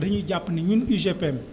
dañuy jàpp ne ñuy UGPM